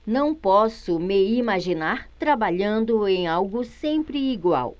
não posso me imaginar trabalhando em algo sempre igual